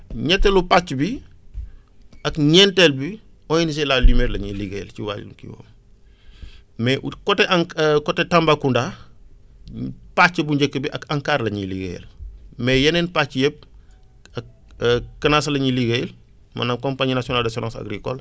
ñetteelu pàcc bi ak ñeenteel bi ONG La Lumière la ñuy liggéeyal ci wàllum kii boobu mais côté AN côté Tambacounda pàcc bu njëkk bi ak ANCAR la ñuy liggéeyal mais yeneen pàcc yëpp ak CNAAS la ñuy liggéeyal maanaam compagnie nationale d' assurance agricole